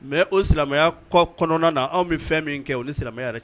Mais o silamɛya kɔ kɔnɔna na anw bi fɛn min kɛ o ni silamɛya yɛrɛ